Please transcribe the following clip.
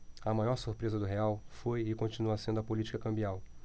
a maior surpresa do real foi e continua sendo a política cambial